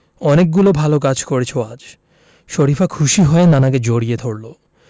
অনেকগুলো ভালো কাজ করেছ আজ শরিফা খুশি হয়ে নানাকে জড়িয়ে ধরল